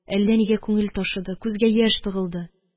Әллә нигә күңел ташыды, күзгә яшь тыгылды.